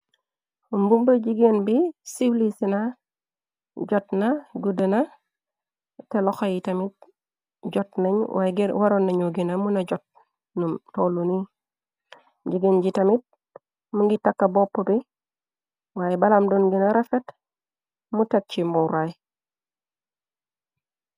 Mbumba jigéen bi siwli sina jot na guddena te loxay tamit jot nañ waye waroon nañu gina mu na jotnu tollu ni jigéen ji tamit mu ngi tàkka bopp bi waaye balaam doon gina rafet mu tek ci mbowraay.